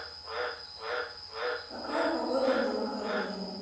какая погода на выходные